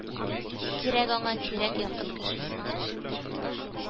Кирәк аңа, кирәк якын кеше